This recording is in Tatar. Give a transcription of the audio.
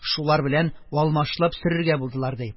Шулар белән алмашлап сөрергә булдылар... - ди.